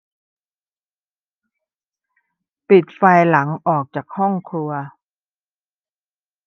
ปิดไฟหลังออกจากห้องครัว